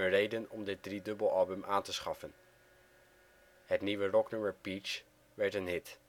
reden om dit driedubbelalbum aan te schaffen. Het nieuwe rocknummer Peach (nl: #9) werd een hit